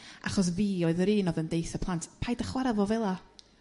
Achos fi oedd yr un oedd yr un o'dd yn deu'th y plant paid â chwara' fo fel'a.